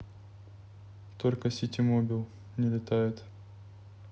только ситимобил не летает